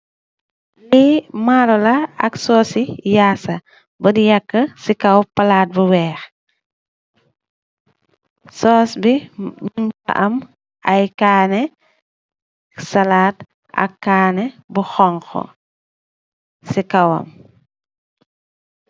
Li malola ak soos ci yaasa bun yakk ci kaw palaat bu weeh. Soos bi mu ngi am ay kaane salaat ak kaane bu honku ci kawam.